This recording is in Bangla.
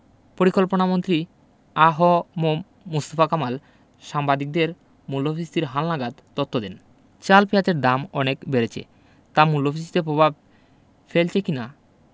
পরিকল্পনামন্ত্রী আ হ ম মুস্তফা কামাল সাংবাদিকদের মূল্যস্ফীতির হালনাগাদ তথ্য দেন চাল পেঁয়াজের দাম অনেক বেড়েছে তা মূল্যস্ফীতিতে প্রভাব ফেলছে কি না